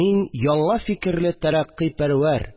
Мин – яңа фикерле тәрәккый пәрвәр